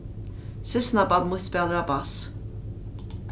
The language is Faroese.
systkinabarn mítt spælir á bass